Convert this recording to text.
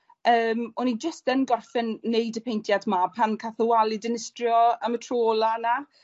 yym o'n i jyst yn gorffen neud y peintiad 'ma pan cath y wal ei dinistrio am y tro ola 'na.